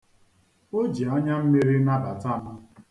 O ji anyammiri nabata m.